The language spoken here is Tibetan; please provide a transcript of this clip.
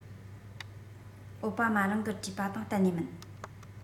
ཨའོ པ མ རང གིས བྲིས པ དང གཏན ནས མིན